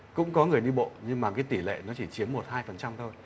cũng có người đi bộ nhưng mà cái tỷ lệ nó chỉ chiếm một hai phần trăm thôi